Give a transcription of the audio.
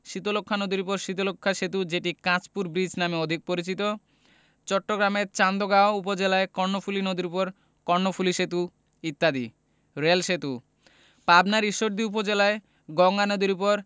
শীতলক্ষ্যা নদীর উপর শীতলক্ষ্যা সেতু যেটি কাঁচপুর ব্রীজ নামে অধিক পরিচিত চট্টগ্রামের চান্দগাঁও উপজেলায় কর্ণফুলি নদীর উপর কর্ণফুলি সেতু ইত্যাদি রেল সেতুঃ পাবনার ঈশ্বরদী উপজেলায় গঙ্গা নদীর উপর